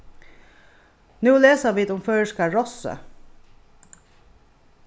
nú lesa vit um føroyska rossið